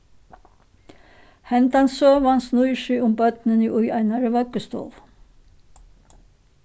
hendan søgan snýr seg um børnini í einari vøggustovu